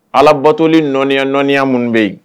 Ala bɔtɔli nɔya nɔya minnu bɛ yen